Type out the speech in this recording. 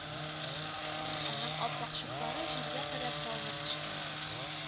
Аның ап-ак чуклары җиргә кадәр салынып төшкән